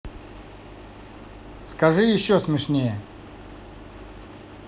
скажи еще смешнее